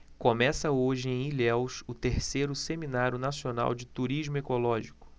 começa hoje em ilhéus o terceiro seminário nacional de turismo ecológico